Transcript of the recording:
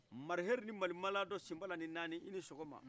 marihɛri ni marimaladɔ simbala ni naani i ni sɔgɔma